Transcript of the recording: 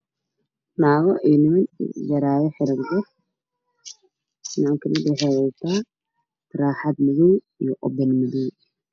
Naago iyo niman xiraayo wado nimanka waxa ay wataan baangad madow iyo badeel cadaan ah